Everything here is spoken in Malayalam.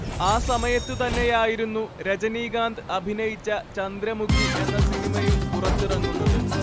ആ സമയത്തു തന്നെയായിരുന്നു രജനീകാന്ത് അഭിനയിച്ച ചന്ദ്രമുഖി എന്ന സിനിമയും പുറത്തിറങ്ങുന്നത്